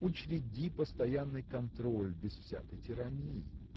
Учреди постоянный контроль без всякой тирании.